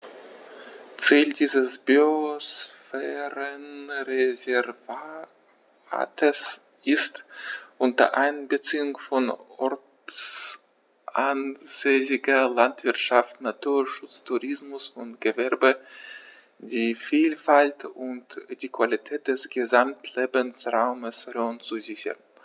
Ziel dieses Biosphärenreservates ist, unter Einbeziehung von ortsansässiger Landwirtschaft, Naturschutz, Tourismus und Gewerbe die Vielfalt und die Qualität des Gesamtlebensraumes Rhön zu sichern.